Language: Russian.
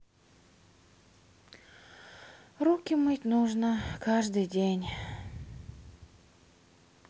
руки мыть нужно каждый день